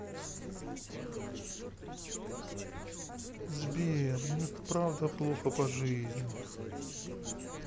сбер мне правда плохо по жизни